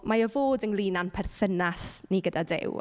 Mae o fod ynglyn â'n perthynas ni gyda Duw.